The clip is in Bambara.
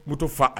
N bɛto fa